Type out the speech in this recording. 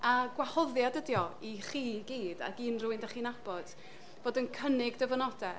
A gwahoddiad ydy o i chi i gyd, ac i unrhyw un dach chi'n nabod, fod yn cynnig dyfynodau.